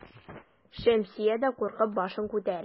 Шәмсия дә куркып башын күтәрә.